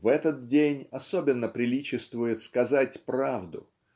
в этот день особенно приличествует сказать ту правду